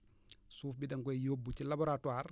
suuf bi da nga koy yóbbu ci laboratoire